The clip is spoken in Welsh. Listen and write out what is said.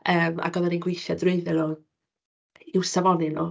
Yym ac oeddan ni'n gweithio drwyddon nhw, i'w safoni nhw.